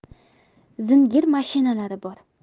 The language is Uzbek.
zinger mashinalari bor